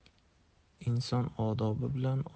inson odobi bilan